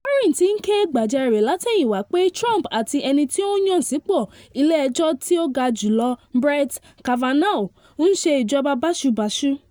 Warren ti ń ké gbàjarè látẹ̀yìnwá pé Trump àti ẹni tí ó yàn sípò ilé ẹjọ́ tí ó ga jù lọ Brett Kavanaugh ń ṣe ìjọba báṣubàṣu.